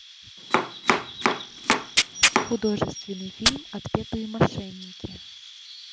художественный фильм отпетые мошенники